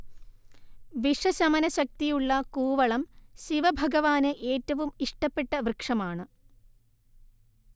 വിഷശമനശക്തിയുളള കൂവളം ശിവഭഗവാന് ഏറ്റവും ഇഷ്ടപ്പെട്ട വൃക്ഷമാണ്